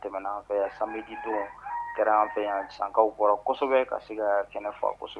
Tɛmɛna an fɛ yan samedi don ,a kɛra an fɛ yan , sankaw bɔrɔ kosɛbɛ ka se ka kɛnɛ fa kosɛbɛ.